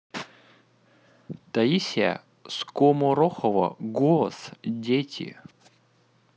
таисия скоморохова голос дети